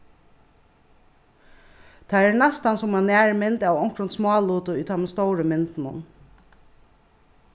teir eru næstan sum ein nærmynd av onkrum smáluti í teimum stóru myndunum